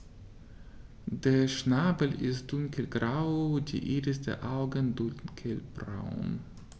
Der Schnabel ist dunkelgrau, die Iris der Augen dunkelbraun.